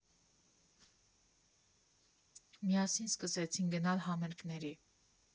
«Միասին սկսեցինք գնալ համերգների։